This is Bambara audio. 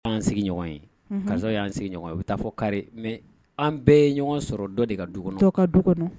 An sigi ɲɔgɔn ye ka y'an sigi ɲɔgɔn ye bɛ taa fɔ kari mɛ an bɛɛ ye ɲɔgɔn sɔrɔ dɔ de ka du kɔnɔ dɔw ka du kɔnɔ